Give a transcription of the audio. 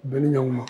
Bɛ u ma